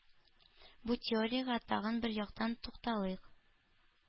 Бу теориягә тагын бер яктан тукталыйк.